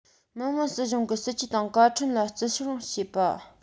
མི དམངས སྲིད གཞུང གི སྲིད ཇུས དང བཀའ ཁྲིམས ལ བརྩི སྲུང བྱེད པ